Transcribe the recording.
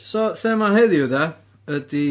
so thema heddiw de ydy...